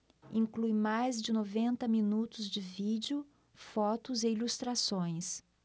inclui mais de noventa minutos de vídeo fotos e ilustrações